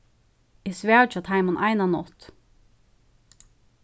eg svav hjá teimum eina nátt